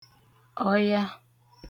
ọya